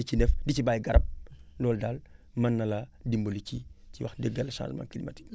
di ci def di ci bàyyi garab loolu daal mën na laa dimbali ci wax dëgg yàlla changement climatique bi